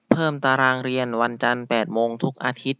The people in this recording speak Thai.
เพิ่มตารางเรียนวันจันทร์แปดโมงทุกอาทิตย์